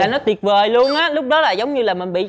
là nó tuyệt vời luôn á lúc đó là giống như là mình bị